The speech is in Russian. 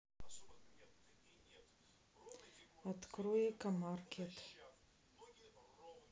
открой экомаркет